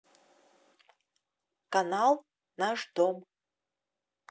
канал наш дом